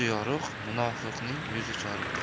yorug' munofiqning yuzi choriq